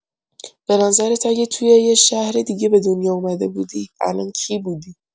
به نظرت اگه توی یه شهر دیگه به دنیا اومده بودی، الان کی بودی؟